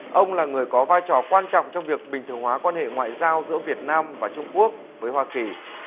ông là người có vai trò quan trọng trong việc bình thường hóa quan hệ ngoại giao giữa việt nam và trung quốc với hoa kỳ